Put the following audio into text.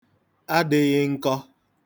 adị̄ghị n̄kọ̄